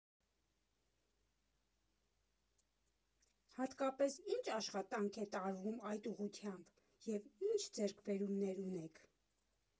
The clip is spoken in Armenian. Հատկապես ի՞նչ աշխատանք է տարվում այդ ուղղությամբ և ի՞նչ ձեռքբերումներ ունեք։